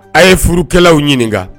A' ye furukɛlaw ɲininka